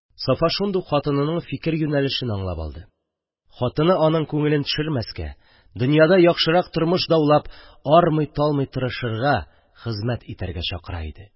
Сафа шундук хатынының фикер юнәлешен аңлап алды: хатыны аңа күңелен төшермәскә, донъяда яхшырак тормыш даулап армый-талмый тырышырга, хезмәт итәргә чакыра иде.